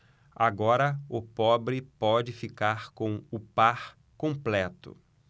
agora o pobre pode ficar com o par completo